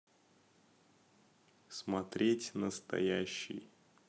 смотреть настоящий